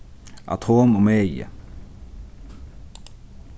atom og megi